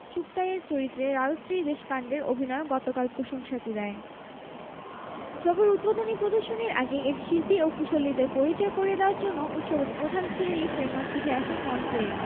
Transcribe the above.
সেই সোশ্যাল মিডিয়াতেই তিনি জানালেন হলিউড ছবি অ্যাভেঞ্জার্স ইনফিনিটি ওয়ার দেখে নাকি কিছুই বুঝতে পারেননি বিগ বি রবিবার সকালেই টুইট করে বলেন